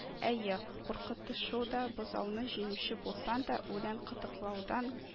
– әйе, куркытышуда бозауны җиңүче булсаң да, үлән кытыклаудан